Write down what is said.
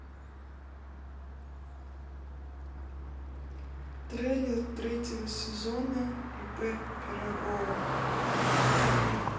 трейлер третьего сезона ип пирогова